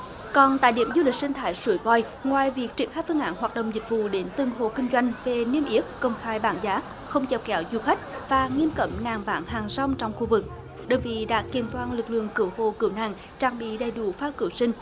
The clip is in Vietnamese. còn tại điểm du lịch sinh thái suối voi ngoài việc triển khai phương án hoạt động dịch vụ đến từng hộ kinh doanh về niêm yết công khai bảng giá không chèo kéo du khách và nghiêm cấm nạn bán hàng rong trong khu vực đơn vị đã kiện toàn lực lượng cứu hộ cứu nạn trang bị đầy đủ phao cứu sinh